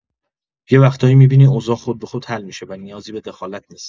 یه وقتایی می‌بینی اوضاع خود به خود حل می‌شه و نیازی به دخالت نیست.